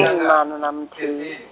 -na na na muthihi.